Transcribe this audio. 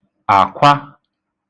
àkwa